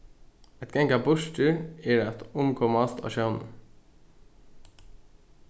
at ganga burtur er at umkomast á sjónum